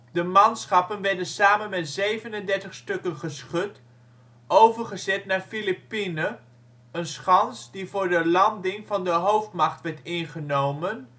De manschappen werden samen met 37 stukken geschut overgezet naar Philippine, een schans die voor de landing van de hoofdmacht werd ingenomen